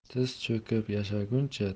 tiz cho'kib yashaguncha